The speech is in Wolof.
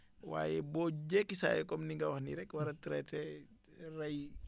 waaye boo jékki saa yee comme ni nga wax nii rek war a traité rey